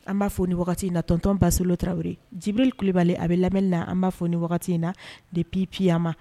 An b'a fɔ ni wagati in natɔntɔnon basislo taraweleraww jibiri kulibali a bɛ lamɛn na an b'a fɔ ni wagati in na de ppi an ma